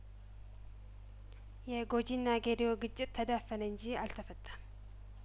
የጐጂና ጌዲኦ ግጭት ተዳፈነ እንጂ አልተፈታም